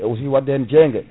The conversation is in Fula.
et aussi wadde hen jeyyigue